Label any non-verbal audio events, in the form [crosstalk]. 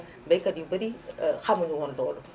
baykat yu bari [hesitation] xamuñu woon loolu